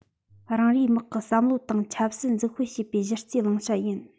རང རེའི དམག གི བསམ བློ དང ཆབ སྲིད འཛུགས སྤེལ བྱེད པའི གཞི རྩའི བླང བྱ ཡིན